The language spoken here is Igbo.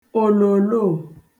òlòòloò